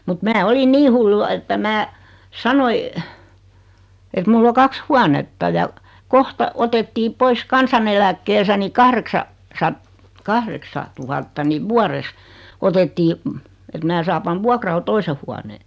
mutta minä olin niin hullu vain että minä sanoin että minulla on kaksi huonetta ja kohta otettiin pois kansaneläkkeestä niin kahdeksan - kahdeksan tuhatta niin vuodessa otettiin että minä saan panna vuokralle toisen huoneen